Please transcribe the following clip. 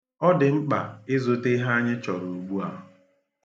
Ọ dị mkpa ịzụta ihe anyị chọrọ ugbua.